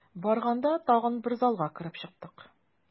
Барганда тагын бер залга килеп чыктык.